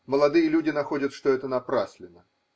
Молодые люди находят, что это напраслина.